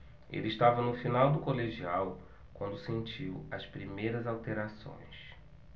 ele estava no final do colegial quando sentiu as primeiras alterações